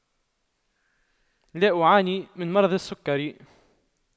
لا أعاني من مرض السكر